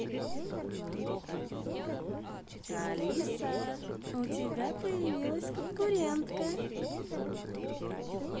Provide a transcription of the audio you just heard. алиса у тебя появилась конкурентка